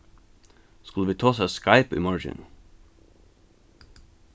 skulu vit tosa á skype í morgin